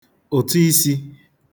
ụ̀tụ isī